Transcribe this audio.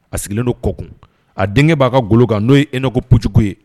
A sigilen don Kɔkun a denkɛ b'a ka golo kan n'o ye Enɔku Pujugu ye.